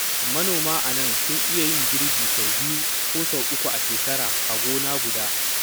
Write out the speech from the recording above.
Manoma a nan suna iya yin girbi sau biyu ko uku a shekara a gona guda.